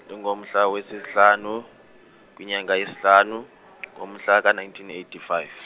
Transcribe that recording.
lingomhla wesihlanu, kwinyanga yesihlanu ngomhla ka- nineteen eighty five.